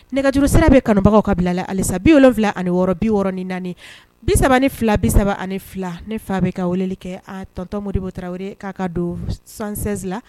Nɛgɛjuru sira bɛ kanubagaw ka bilala halisa bi wolo wolonwula ani bi6 ni naani bi saba ni fila bi saba ani fila ne fa bɛ ka weleli kɛ tɔntɔnmo debo tarawele k'a ka don san la